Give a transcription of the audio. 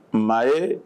Ma ye